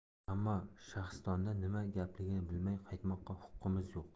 ammo shahristonda nima gapligini bilmay qaytmoqqa huquqimiz yo'q